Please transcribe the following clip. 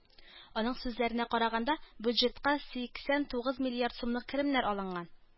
Аның сүзләренә караганда, бюджетка сиксән тугыз миллиард сумлык керемнәр алынган.